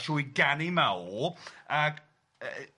trwy ganu mewl ac yy pan ma'